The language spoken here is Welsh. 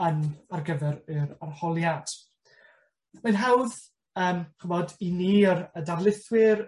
yn ar gyfer yr arholiad. Mae'n hawdd yym ch'mod i ni yr y darlithwyr